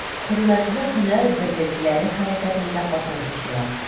Хөрмәтле һөнәр берлекләре хәрәкәтендә катнашучылар!